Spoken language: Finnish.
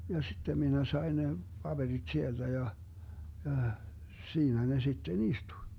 ja sitten minä sain ne paperit sieltä ja ja siinä ne sitten istui